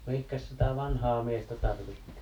mihinkäs sitä vanhaa miestä tarvittiin